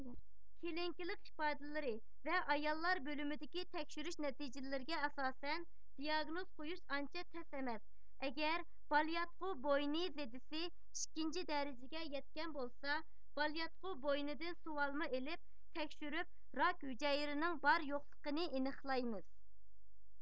كېلنىكلىق ئىپادىلىرى ۋە ئاياللار بۆلۈمىدىكى تەكشۈرۈش نەتىجىلىرىگە ئاساسەن دىئاگنوز قويۇش ئانچە تەس ئەمەس ئەگەر بالىياتقۇ بوينى زېدىسى ئىككىنچى دەرىجىگە يەتكەن بولسا بالىياتقۇ بوينىدىن سۇۋالما ئېلىپ تەكشۈرۈپ راك ھۈجەيرىنىڭ بار يوقلىغىنى ئېنىقلايمىز